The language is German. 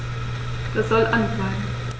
Das soll an bleiben.